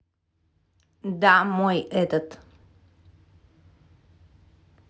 да мой этот